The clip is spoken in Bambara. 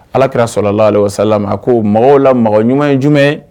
Alaki sɔrɔlala lasa ko mɔgɔw la mɔgɔ ɲuman ye jumɛn ye